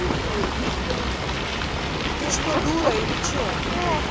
ты что дура или че